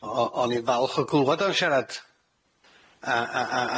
o- o- o'n i'n falch o glwad o'n sharad a a a